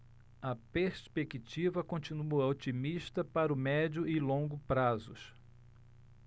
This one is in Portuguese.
a perspectiva continua otimista para o médio e longo prazos